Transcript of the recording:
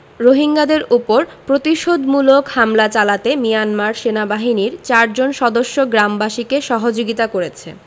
রোহিঙ্গাদের ওপর প্রতিশোধমূলক হামলা চালাতে মিয়ানমার সেনাবাহিনীর চারজন সদস্য গ্রামবাসীকে সহযোগিতা করেছে